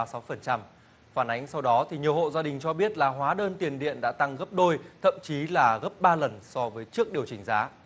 sáu phần trăm phản ánh sau đó thì nhiều hộ gia đình cho biết là hóa đơn tiền điện đã tăng gấp đôi thậm chí là gấp ba lần so với trước điều chỉnh giá